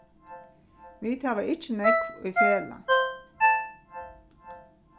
vit hava ikki nógv í felag